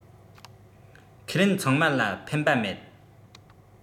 ཁས ལེན ཚང མར ལ ཕན པ མེད